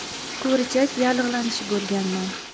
ko'richak yallig'lanishi bo'lganman